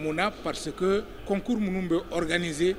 Muna parce que concours ninnu bɛ organisé